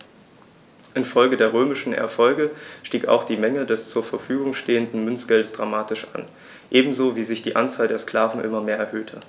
Infolge der römischen Erfolge stieg auch die Menge des zur Verfügung stehenden Münzgeldes dramatisch an, ebenso wie sich die Anzahl der Sklaven immer mehr erhöhte.